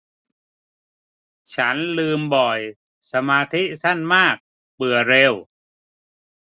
ฉันลืมบ่อยสมาธิสั้นมากเบื่อเร็ว